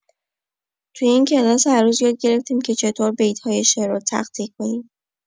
تو این کلاس عروض، یاد گرفتیم که چطور بیت‌های شعر رو تقطیع کنیم.